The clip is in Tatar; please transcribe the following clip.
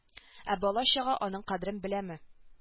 Ә бала-чага аның кадерен беләме